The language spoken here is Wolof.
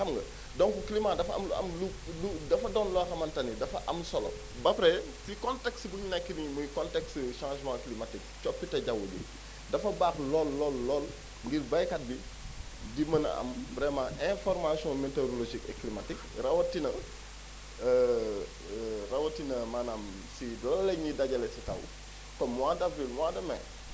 xam nga donc climat dafa am lu am lu dafa doon loo xamante ni dafa am solo ba pare si contexte bi ñu nekk nii muy contexte changement climatique coppite jawwu ji dafa baax lool lool lool ngir baykat bi di mën a am vraiment information météorologique et climatiques rawatina rawatina maanaam si loolee ñuy dajale si taw comme mois d' avril mois de mai